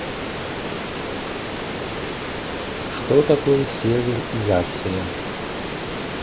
что такое сервер изация